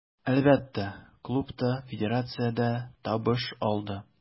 Әлбәттә, клуб та, федерация дә табыш алды.